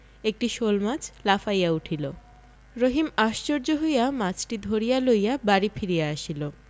একটি শোলমাছ লাফাইয়া উঠিল রহিম আশ্চর্য হইয়া মাছটি ধরিয়া লইয়া বাড়ি ফিরিয়া আসিল